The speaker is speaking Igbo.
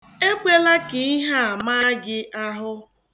Ekwela ka ihe a maa gị ahụ.